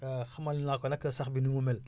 xamal naa ko nag sax bi nu mu mel